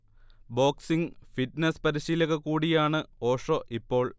boxing, fitness പരിശീലക കൂടിയാണ് ഓഷോ ഇപ്പോൾ